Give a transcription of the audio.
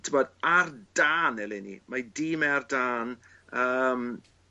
t'bod ar dân eleni. Mae 'i dîm e ar dân. Yym.